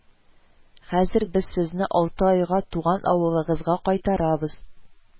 Хәзер без сезне алты айга туган авылыгызга кайтарабыз